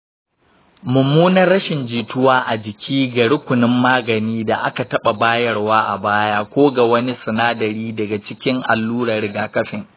mummunar rashin jituwa a jiki ga rukunin magani da aka taɓa bayarwa a baya ko ga wani sinadari daga cikin allurar rigakafin.